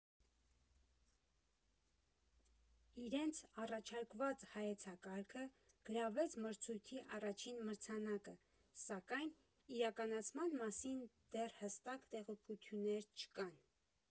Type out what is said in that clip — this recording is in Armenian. Իրենց առաջարկված հայեցակարգը գրավեց մրցույթի առաջին մրցանակը, սակայն իրականացման մասին դեռ հստակ տեղեկություններ չկան։